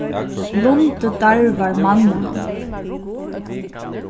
lundi darvar manninum